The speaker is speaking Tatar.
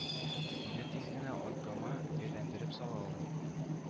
Мине тиз генә аркама әйләндереп салалар